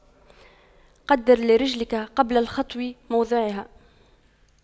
قَدِّرْ لِرِجْلِكَ قبل الخطو موضعها